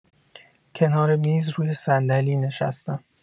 کنار میز روی صندلی نشستم.